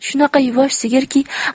shunaqa yuvosh sigirki